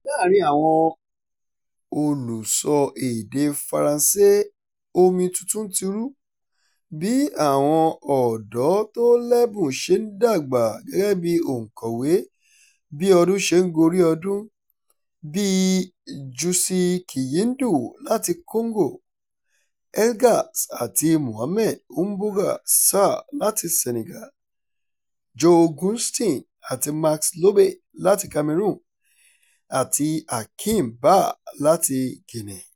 Láàárín àwọn olùsọ èdè Faransé, omi tuntun ti ń rú, bí àwọn ọ̀dọ́ tó lẹ́bùn ṣe ń dàgbà gẹ́gẹ́ bíi òǹkọ̀wé bí ọdún ṣe ń gorí ọdún, bíi Jussy Kiyindou láti Congo, Elgas àti Mohamed Mbougar Sarr láti Sénégal, Jo Güstin àti Max Lobé láti Cameroon, àti Hakim Bah láti Guinea.